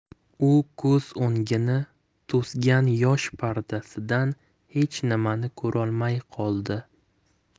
u ko'z o'ngini to'sgan yosh pardasidan hech nimani ko'rolmay qoldi